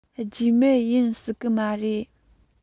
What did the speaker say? རྒྱུས མེད ཡིན སྲིད གི མ རེད